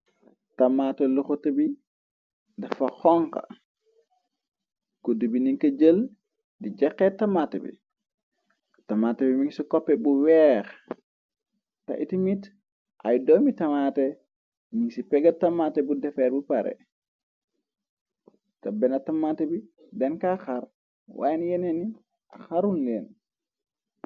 Tamate luxote bi, dafa xonka, kudd bi nika jël, di jexeet tamaté bi, tamate bi ming ci koppe bu weex, te iti mit, ay domi tamate ni ci pega tamate bu defeer bu pare, te benna tamate bi, den kaxar, waayn yenee ni xarun leen.